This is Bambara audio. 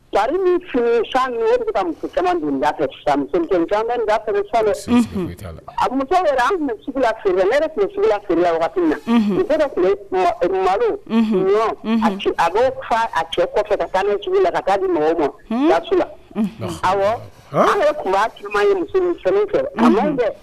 Kariri muso feere la muso ma a bɛ fa a cɛ kɔfɛ ka la ka di mɔgɔw ma ka la ɔwɔ an kun ye muso fɛ a